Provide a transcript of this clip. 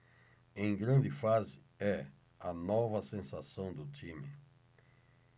em grande fase é a nova sensação do time